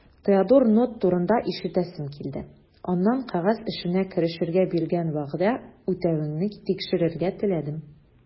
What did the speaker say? Теодор Нотт турында ишетәсем килде, аннан кәгазь эшенә керешергә биргән вәгъдә үтәвеңне тикшерергә теләдем.